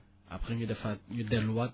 après ñu defaat ñu delluwaat